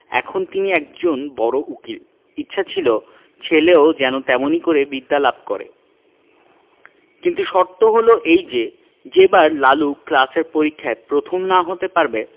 এখন তিনি একজন বড় উকিল ইচ্ছে ছিল ছেলেও যেন তেমনি করেই বিদ্যা লাভ করে কিন্তু শর্ত হলো এই যে যে বার লালু ক্লাসের পরীক্ষায় প্রথম না হতে পারবে